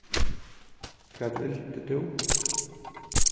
hvat vildi tú